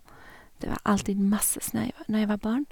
Det var alltid masse snø jeg var når jeg var barn.